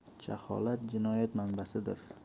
jaholat jinoyat manbasi